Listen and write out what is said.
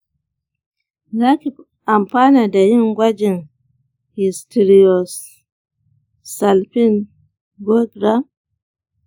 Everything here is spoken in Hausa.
zaki anfana da yin gwajin hysteriosalpingogram.